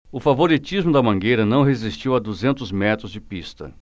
o favoritismo da mangueira não resistiu a duzentos metros de pista